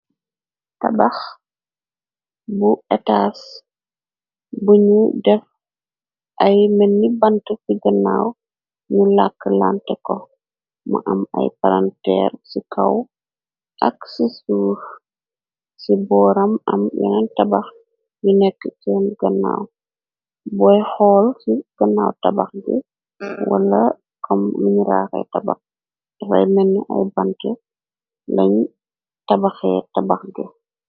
Tabax bu etars buñu def ay menni bant ci gannaaw ñu làkk lante ko ma am ay paranteer ci kaw ak ci suuf ci booram am yeneen tabax yu nekk seen gannaaw boy xool ci gannaaw tabax gi wala kam luñu raaxee tabax ray menn ay bante lañ tabaxee tabax gi